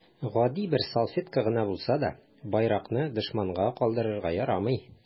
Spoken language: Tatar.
Гади бер салфетка гына булса да, байракны дошманга калдырырга ярамый.